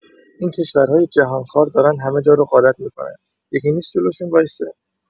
این کشورهای جهانخوار دارن همه‌جا رو غارت می‌کنن، یکی نیست جلوشون وایسه؟